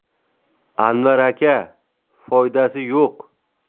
anvar aka foydasi yo'q